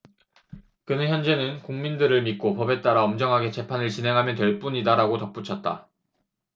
그는 헌재는 국민들을 믿고 법에 따라 엄정하게 재판을 진행하면 될 뿐이다라고 덧붙였다